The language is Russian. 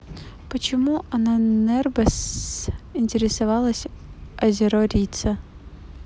почему ананербе сс интересовалась озеро рица